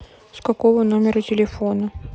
с какого номера телефона